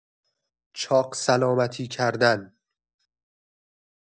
چاق‌سلامتی کردن